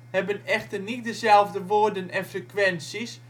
hebben echter niet dezelfde woorden en frequenties